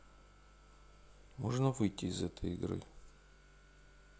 можно выйти из этой игры